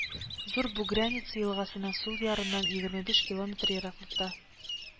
Зур Бугряница елгасының сул ярыннан егерме биш километр ераклыкта